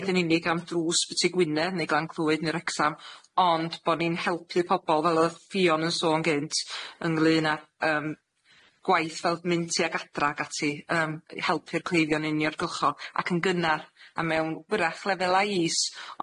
nid yn unig am drws sbytu Gwynedd neu Glan Clwyd neu Wrecsam ond bo' ni'n helpu pobol fel o'dd Fion yn sôn gynt ynglŷn â yym gwaith fel mynd tuag adra ac ati, yym i helpu'r cleifion uniongyrchol ac yn gynnar a mewn w'rach lefela' is.